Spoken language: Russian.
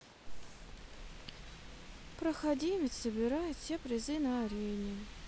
проходимец собирает все призы на арене